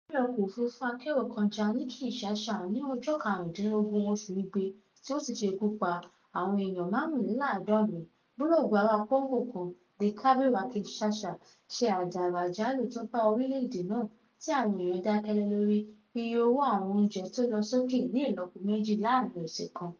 Pẹ̀lú pé ọkọ̀ òfurufú akẹ́rò kan já ní Kinshaha ní ọjọ́ 15 oṣù Igbe tí ó sì ṣekú pa àwọn eèyan 75, búlọ́gà ará Congo kan, Du Cabiau à Kinshasa ṣe àdárò àjálù tó bá orílẹ̀ èdè náà tí àwọn èèyàn dákẹ́ lé lórí: iye owó àwọn oúnjẹ tó lọ sókè ní ìlọ́po méjì láàárìn ọ̀sẹ̀ kan.